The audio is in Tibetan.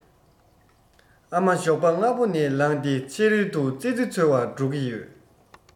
ཨ མ ཞོགས པ སྔ མོ ནས ལངས ཏེ ཕྱི རོལ དུ ཙི ཙི འཚོལ བར འགྲོ གི ཡོད